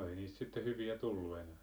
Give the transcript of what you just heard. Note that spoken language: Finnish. no ei niistä sitten hyviä tullut enää